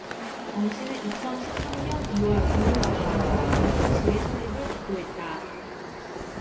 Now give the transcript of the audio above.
정씨는 이천 십 삼 년 이 월 공공비정규직 노조 지회 설립을 주도했다